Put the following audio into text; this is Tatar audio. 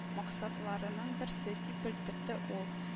Максатларының берсе», - дип белдерде ул